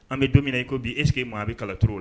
An bɛ don min na i ko bi esseke e maa a bɛ kalan t to o la